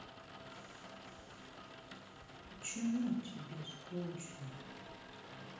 почему тебе скучно